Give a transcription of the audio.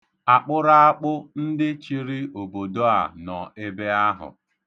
Akpụraakpụ ndị chịrị obodo a nọ ebe ahụ.